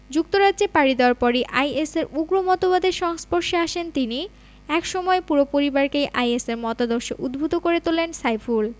যুক্তরাজ্যে পাড়ি দেওয়ার পরই আইএসের উগ্র মতবাদের সংস্পর্শে আসেন তিনি একসময় পুরো পরিবারকেই আইএসের মতাদর্শে উদ্বুদ্ধ করে তোলেন সাইফুল